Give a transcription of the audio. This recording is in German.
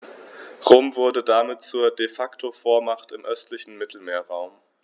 Rom wurde damit zur ‚De-Facto-Vormacht‘ im östlichen Mittelmeerraum.